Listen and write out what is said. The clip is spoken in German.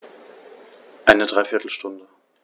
Eine dreiviertel Stunde